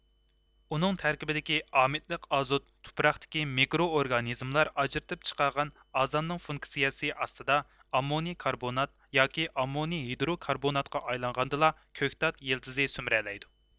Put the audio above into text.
ئۇنىڭ تەركىبىدىكى ئامىدلىق ئازوت تۇپراقتىكى مىكرو ئورگانىزىملار ئاجرىتىپ چىقارغان ئازاننىڭ فۇنكسىيىسى ئاستىدا ئاممونىي كاربونات ياكى ئاممونىي ھىدرو كاربوناتقا ئايلانغاندىلا كۆكتات يىلتىزى سۈمۈرەلەيدۇ